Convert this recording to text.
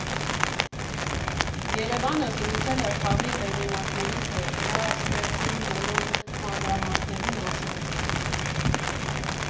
ԵՐԵՎԱՆԸ ը զրուցել է խաղի հեղինակների հետ՝ դրա ստեղծման բոլոր մանրամասների մասին։